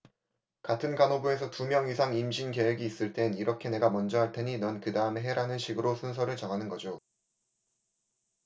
같은 간호부에서 두 명 이상 임신 계획이 있을 땐 이렇게 내가 먼저 할 테니 넌 그다음에 해라는 식으로 순서를 정하는 거죠